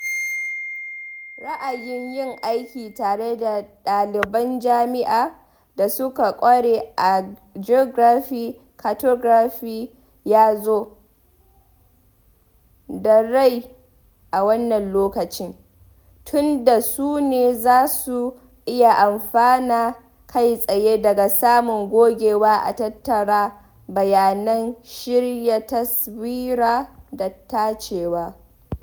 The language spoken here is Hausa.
Ra’ayin yin aiki tare da ɗaliban jami’a da suka ƙware a Geography/Cartography yazo mun a rai a wannan lokacin, tun da su ne za su iya amfana kai tsaye daga samun gogewa a tattara bayanan shirya taswira da tacewa.